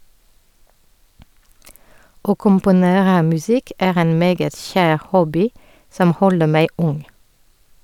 - Å komponere musikk er en meget kjær hobby som holder meg ung.